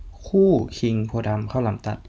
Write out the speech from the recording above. คู่คิงโพธิ์ดำข้าวหลามตัด